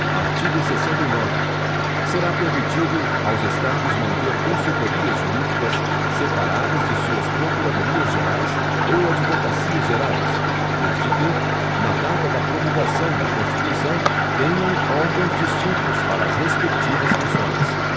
artigo sessenta e nove será permitido aos estados manter consultorias jurídicas separadas de suas procuradorias gerais ou advocacias gerais desde que na data da promulgação da constituição tenham órgãos distintos para as respectivas funções